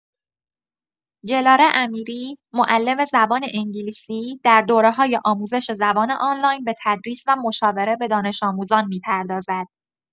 گلاره امیری، معلم زبان انگلیسی، در دوره‌های آموزش زبان آنلاین به تدریس و مشاوره به دانش‌آموزان می‌پردازد.